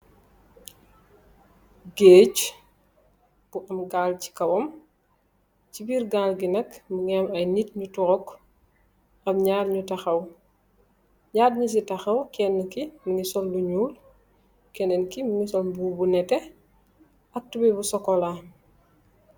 Gëëge....gaak ci kowam. Ci biir gaal gi nak, mu ngi am ñu toog, am ñaar ñu taxaw. Si ñaar ñi taxaw nak, keenë ki, mu ngi sol lu ñuul. Kenen ki mu ngi sol mbubu nétte, ak tubooy bu sokolaa.